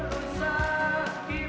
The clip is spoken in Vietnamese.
xa